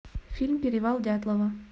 фильм перевал дятлова